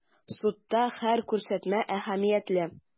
Судта һәр күрсәтмә әһәмиятле.